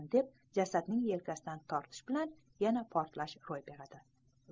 deb jasadning yelkasidan tortishi bilan yana portlash ro'y beradi